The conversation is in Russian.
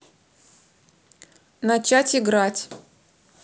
начать играть